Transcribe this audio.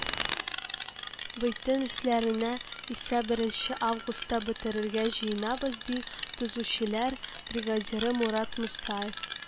Бөтен эшләрне исә беренче августка бетерергә җыенабыз, - ди төзүчеләр бригадиры Мурат Мусаев.